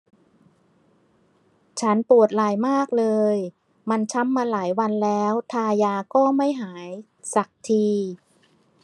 ฉันปวดไหล่มากเลยมันช้ำมาหลายวันแล้วทายาก็ไม่หายสักที